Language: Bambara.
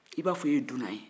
i b'a fɔ i ye dunan ye